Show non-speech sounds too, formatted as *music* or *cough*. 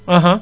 *hesitation* *hesitation*